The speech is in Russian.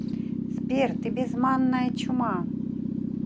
сбер ты без манная чума